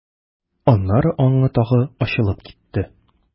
Аннары аңы тагы ачылып китте.